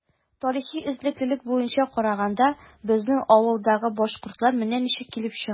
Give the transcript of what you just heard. Тарихи эзлеклелек буенча караганда, безнең авылдагы “башкортлар” менә ничек килеп чыга.